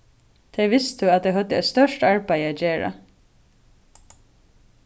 tey vistu at tey høvdu eitt stórt arbeiði at gera